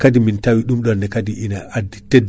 o rena kaadi ko fuɗi ko